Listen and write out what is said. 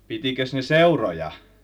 pitikös ne seuroja